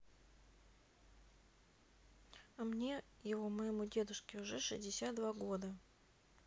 а мне его моему дедушке уже шестьдесят два года